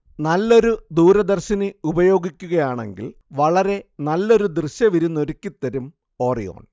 നല്ലൊരു ദൂരദർശിനി ഉപയോഗിക്കുകയാണെങ്കിൽ വളരെ നല്ലൊരു ദൃശ്യവിരുന്നൊരുക്കിത്തരും ഓറിയോൺ